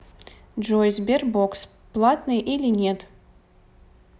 джой sberbox платный или нет